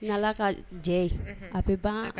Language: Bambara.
Ni ala ka jɛ ye. Unhun. A bɛ ban